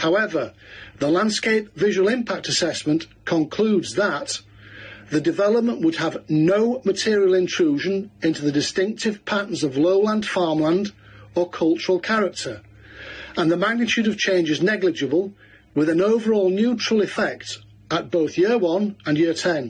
However, the landscape visual impact assessment concludes that the development would have no material intrusion into the distinctive patterns of lowland farmland or cultural character, and the magnitude of change is negligible, with an overall neutral effect at both year one and year ten.